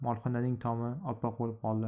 molxonaning tomi oppoq bo'lib qoldi